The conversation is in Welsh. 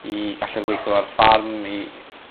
i galler weitho ar ffarm i